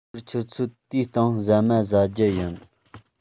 ཕྱི དྲོར ཆུ ཚོད དུའི སྟེང ཟ མ ཟ རྒྱུ ཡིན